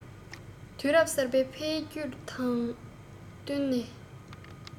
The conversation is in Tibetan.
དུས རབ གསར པའི འཕེལ འགྱུར དང བསྟུན ནས